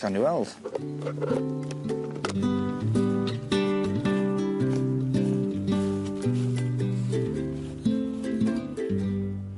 Gawn ni weld.